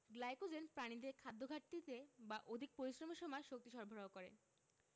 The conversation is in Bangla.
গ্লাইকোজেন প্রাণীদেহে খাদ্যঘাটতিতে বা অধিক পরিশ্রমের সময় শক্তি সরবরাহ করে